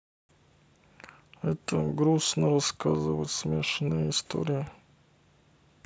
это грустно расскажи смешные истории